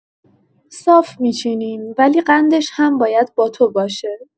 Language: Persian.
صاف می‌چینیم، ولی قندش هم باید با تو باشه.